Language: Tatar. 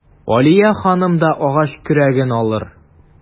Алия ханым да агач көрәген алыр.